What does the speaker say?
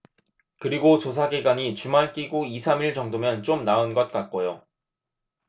그리고 조사 기간이 주말 끼고 이 삼 일 정도면 좀 나은 것 같고요